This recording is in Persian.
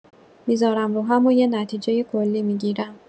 می‌زارم رو هم و یه نتیجه کلی می‌گیرم